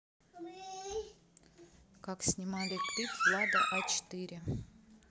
как снимали клип влада а четыре